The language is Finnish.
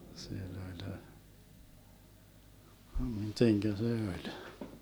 sillä oli miten se oli